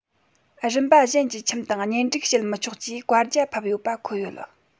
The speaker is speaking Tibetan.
རིམ པ གཞན གྱི ཁྱིམ དང གཉེན སྒྲིག བྱེད མི ཆོག ཅེས བཀའ རྒྱ ཕབ ཡོད པ འཁོད ཡོད